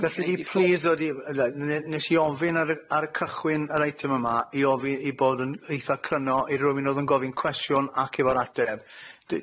O galli di plîs ddod i yy ne- nes i ofyn ar y ar y cychwyn yr eitem yma i ofyn i bod yn eitha cryno i rywun odd yn gofyn cwestiwn ac efo'r ateb.